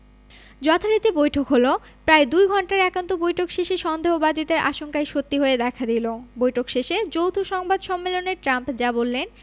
যথারীতি বৈঠক হলো প্রায় দুই ঘণ্টার একান্ত বৈঠক শেষে সন্দেহবাদীদের আশঙ্কাই সত্যি হয়ে দেখা দিল বৈঠক শেষে যৌথ সংবাদ সম্মেলনে ট্রাম্প যা বললেন